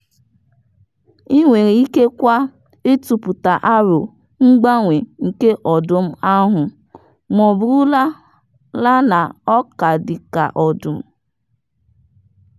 Ị nwere ike kwa ịtụpụta aro mgbanwe nke ọdụm ahụ - ma ọ bụrụhaala na ọ ka dị ka ọdụm.